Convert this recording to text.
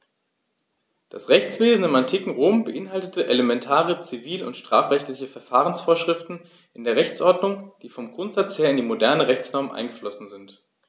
Das Rechtswesen im antiken Rom beinhaltete elementare zivil- und strafrechtliche Verfahrensvorschriften in der Rechtsordnung, die vom Grundsatz her in die modernen Rechtsnormen eingeflossen sind.